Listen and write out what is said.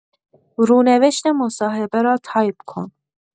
رونوشت مصاحبه را تایپ کن.